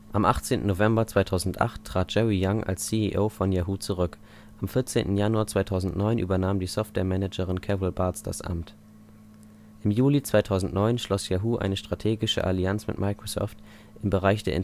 Am 18. November 2008 trat Jerry Yang als CEO von Yahoo zurück. Am 14. Januar 2009 übernahm die Software-Managerin Carol Bartz das Amt. Im Juli 2009 schloss Yahoo eine strategische Allianz mit Microsoft im Bereich der Internetsuche